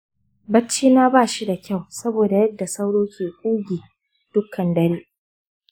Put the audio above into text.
bacci na bashi da kyau saboda yadda sauro ke kugi dukkan dare.